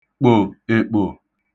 kpò (èkpò)